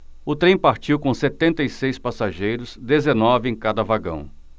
o trem partiu com setenta e seis passageiros dezenove em cada vagão